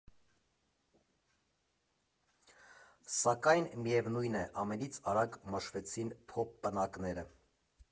Սակայն միևնույն է, ամենից արագ մաշվեցին փոփ պնակները.